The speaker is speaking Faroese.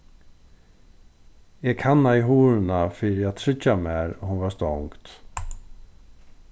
eg kannaði hurðina fyri at tryggja mær hon var stongd